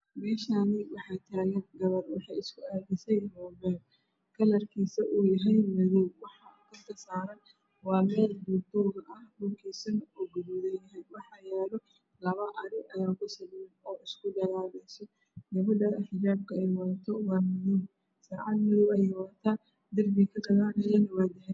Meeshaan waxaa taagan gabar waxay isku aadisay muubeel kalarkiisu uu yahay Madow. Waxaa kor kasaaran waa meel duurduur ah kalarkiisu waa gaduud waxaa kusawiran labo ari oo isdagaalaya. Gabadha xijaabka ay wadato waa buluug saacad madow na way wadataa. Darbiga kagadaaleeya waa dahabi.